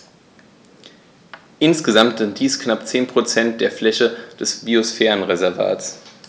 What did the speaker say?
Insgesamt sind dies knapp 10 % der Fläche des Biosphärenreservates.